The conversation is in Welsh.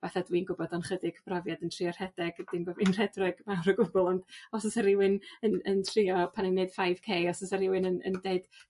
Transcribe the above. fatha dw i'n gwbod o'n chydig brofiad yn trio rhedeg dim bo' fi'n rhedreg mawr o gwbwl ond os o's a rywun yn yn trio pan i'n neud five K os o's a rywun yn yn deud